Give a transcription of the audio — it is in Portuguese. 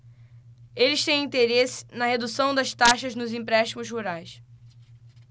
eles têm interesse na redução das taxas nos empréstimos rurais